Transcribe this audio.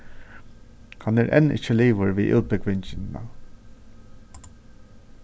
hann er enn ikki liðugur við útbúgvingina